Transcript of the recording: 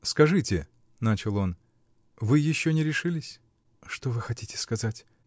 -- Скажите, -- начал он, -- вы еще не решились? -- Что вы хотите сказать?